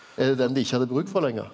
er det den dei ikkje hadde bruk for lenger?